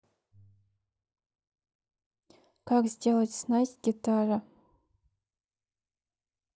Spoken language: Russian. как сделать снасть гитара